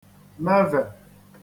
mevè